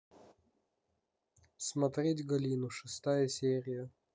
смотреть галину шестая серия